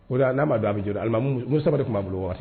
O n'a ma dɔn a bɛ jɔ ni sabari tun b' bolo